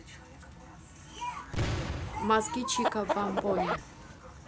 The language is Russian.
мозги чика бамбони